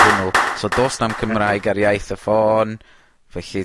hwnnw, so do's na'm Cymraeg ar iaith y ffôn, felly...